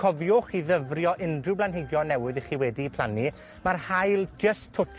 Cofiwch i ddyfrio unryw blanhigion newydd 'ych chi wedi plannu. Ma'r haul jyst twtsh